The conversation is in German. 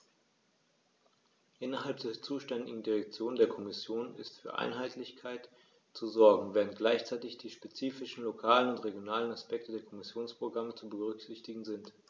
Innerhalb der zuständigen Direktion der Kommission ist für Einheitlichkeit zu sorgen, während gleichzeitig die spezifischen lokalen und regionalen Aspekte der Kommissionsprogramme zu berücksichtigen sind.